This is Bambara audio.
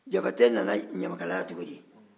jabate nana ɲamakalaya la cogo di